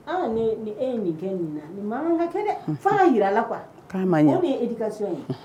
Aa ni e ye nin kɛ nin na nin makan ka kɛ fa jira a la qu kuwa' aw ye e de ka so ye